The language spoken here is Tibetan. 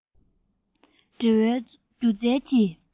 འབྲེལ བའི སྒྱུ རྩལ གྱི